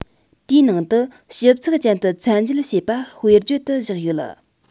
དེའི ནང དུ ཞིབ ཚགས ཅན དུ ཚད འཇལ བྱས པ དཔེར བརྗོད དུ བཞག ཡོད